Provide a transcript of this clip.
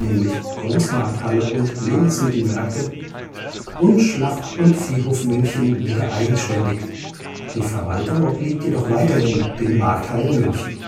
München (Großmarkthalle und Lebensmittelmärkte) und Schlacht - und Viehhof München wieder eigenständig, die Verwaltung obliegt jedoch weiterhin den Markthallen München